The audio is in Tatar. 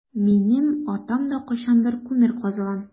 Минем атам да кайчандыр күмер казыган.